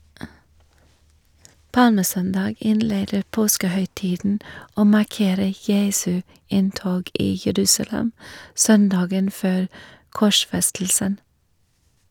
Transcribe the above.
Palmesøndag innleder påskehøytiden og markerer Jesu inntog i Jerusalem søndagen før korsfestelsen.